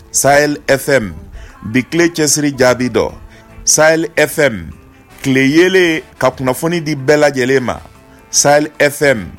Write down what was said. Sa e fɛn min bi tile cɛsiri jaabi dɔ sali e fɛn min tile yelen ka kunnafoni di bɛɛ lajɛlen ma sa e fɛn min